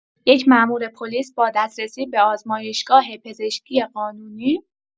یک مامور پلیس با دسترسی به آزمایشگاه پزشکی قانونی